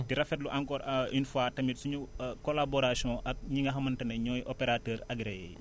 di rafetlu encore une fois tamit suñu collaboration ak ñi nga xamante ne ñooy oppérateurs agréé yi